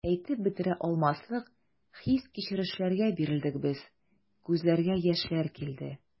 Әйтеп бетерә алмаслык хис-кичерешләргә бирелдек без, күзләргә яшьләр килде.